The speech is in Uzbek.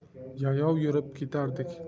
yayov yurib ketardik